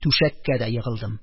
Түшәккә дә егылдым